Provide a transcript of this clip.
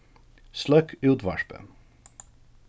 sløkk útvarpið